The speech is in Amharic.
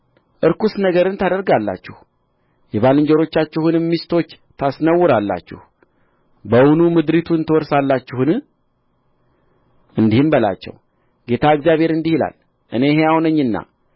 ርኩስ ነገርን ታደርጋላችሁ የባልንጀሮቻችሁንም ሚስቶች ታስነውራላችሁ በውኑ ምድሪቱን ትወርሳላችሁን እንዲህም በላቸው ጌታ እግዚአብሔር እንዲህ ይላል እኔ ሕያው ነኝና